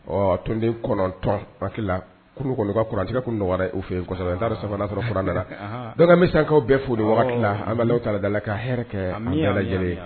Ɔ tonden kɔnɔntɔn a la kɔnɔ kaurantigɛ tun nɔgɔ wɛrɛɛrɛ u fɛ yensɔ n taara sabanana sɔrɔ fura nana dɔmi sakaw bɛɛ fo an' ta dala la ka lajɛlen ye